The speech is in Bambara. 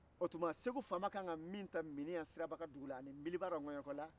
o tuma segu faama ka kan ka min ta miniɲan siraba ka dugu la ani n'bilibala ŋɛɲɛkɔ